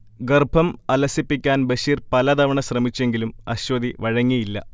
ഗർഭം അലസിപ്പിക്കാൻ ബഷീർ പലതവണ ശ്രമിച്ചെങ്കിലും അശ്വതി വഴങ്ങിയില്ല